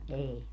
ei